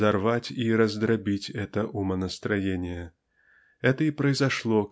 взорвать и раздробить это умонастроение. Это и произошло